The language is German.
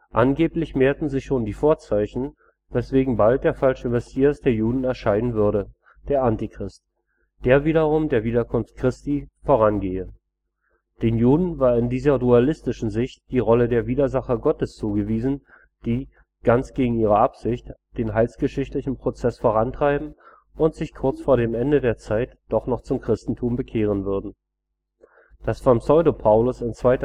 Angeblich mehrten sich schon die Vorzeichen, weswegen bald der falsche Messias der Juden erscheinen würde, der Antichrist, der wiederum der Wiederkunft Jesu Christi vorangehe. Den Juden war in dieser dualistischen Sicht die Rolle der Widersacher Gottes zugewiesen, die – ganz gegen ihre Absicht – den heilsgeschichtlichen Prozess vorantreiben und sich kurz vor dem Ende der Zeit doch noch zum Christentum bekehren würden. Das von Pseudo-Paulus in 2